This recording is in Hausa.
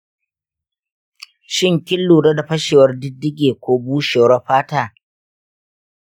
shin kin lura da fashewar diddige ko bushewar fata?